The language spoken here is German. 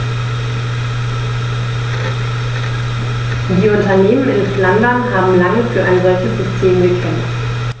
Die Unternehmen in Flandern haben lange für ein solches System gekämpft.